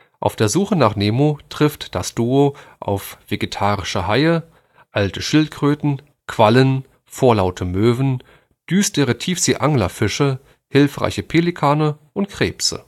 Auf der Suche nach Nemo trifft das Duo auf vegetarische Haie, alte Schildkröten, Quallen, vorlaute Möwen, düstere Tiefsee-Anglerfische, hilfreiche Pelikane und Krebse